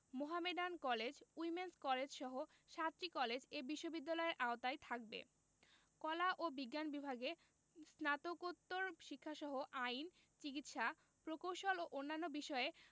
Mohammedan college women's কলেজসহ সাতটি college এ বিশ্ববিদ্যালয়ের আওতায় থাকবে কলা ও বিজ্ঞান বিভাগে স্নাতকোত্তর শিক্ষাসহ আইন চিকিৎসা প্রকৌশল ও অন্যান্য বিষয়ে